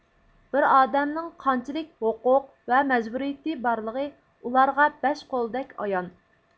بىر ئادەمنىڭ قانچىلىك ھوقۇق ۋە مەجبۇرىيىتى بارلىقى ئۇلارغا بەش قولدەك ئايان